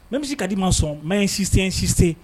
Mɛ bɛ se ka dii ma sɔn mɛ yen sisen sisen